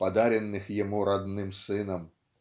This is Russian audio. подаренных ему родным сыном.